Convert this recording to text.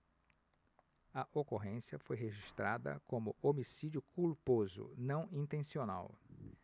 a ocorrência foi registrada como homicídio culposo não intencional